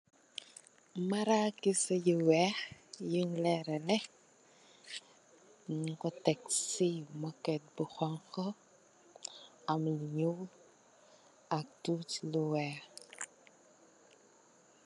Marakis yu weex yun lerale nyun ko tek si moket bu xonxa am lu nuul ak tuti lu weex.